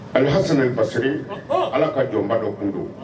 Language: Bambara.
Aha sina basiri ala ka jɔnba dɔ kundo